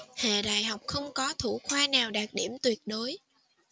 hệ đại học không có thủ khoa nào đạt điểm tuyệt đối